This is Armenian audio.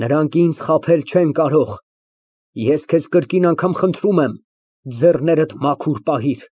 Նրանք ինձ խաբել չեն կարող։ Ես քեզ կրկին անգամ խնդրում եմ, ձեռքերդ մաքուր պահիր։